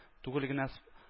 Түгел генә